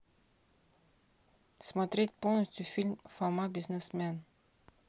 смотреть полностью фильм фома бизнесмен